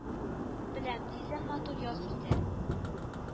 Беләм, тиздән матур яз килер